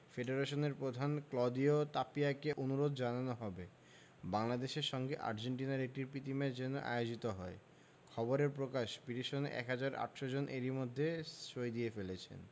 ফেডারেশনের প্রধান ক্লদিও তাপিয়াকে অনুরোধ জানানো হবে বাংলাদেশের সঙ্গে আর্জেন্টিনার একটি প্রীতি ম্যাচ যেন আয়োজিত হয় খবরে প্রকাশ পিটিশনে ১ হাজার ৮০০ জন এরই মধ্যে সই দিয়ে ফেলেছেন